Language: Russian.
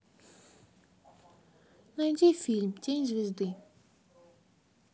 найди фильм тень звезды